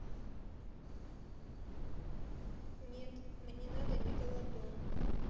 нет мне надо мегалодона